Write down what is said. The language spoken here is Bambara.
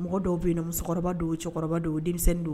Mɔgɔ dɔw bɛ yen na musokɔrɔba don cɛkɔrɔba don denmisɛnnin don